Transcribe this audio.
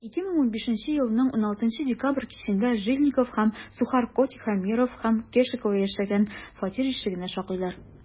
2015 елның 16 декабрь кичендә жильников һәм сухарко тихомиров һәм кешикова яшәгән фатир ишегенә шакыйлар.